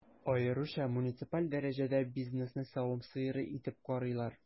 Аеруча муниципаль дәрәҗәдә бизнесны савым сыеры итеп карыйлар.